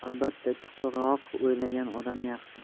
albatta chuqurroq o'ylagan odam yaxshi